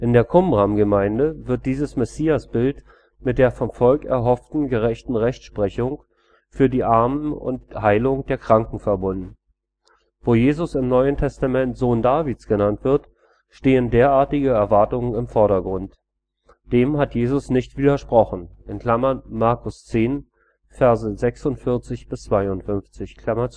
der Qumrangemeinde wird dieses Messiasbild mit der vom Volk erhofften gerechten Rechtsprechung für die Armen und Heilung der Kranken verbunden. Wo Jesus im NT Sohn Davids genannt wird, stehen derartige Erwartungen im Vordergrund. Dem hat Jesus nicht widersprochen (Mk 10,46 – 52). Aber